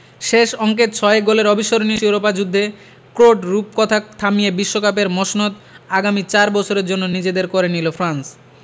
শেষ অঙ্কে ছয় গোলের অবিস্মরণীয় শিরোপা যুদ্ধে ক্রোট রূপকথা থামিয়ে বিশ্বকাপের মসনদ আগামী চার বছরের জন্য নিজেদের করে নিল ফ্রান্স